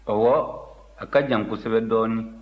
ɔwɔ a ka jan kosɛbɛ dɔɔnin